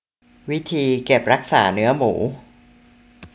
วิธีเก็บรักษาเนื้อหมู